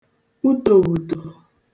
utòghùtò